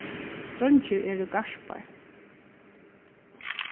dreingir eru garpar s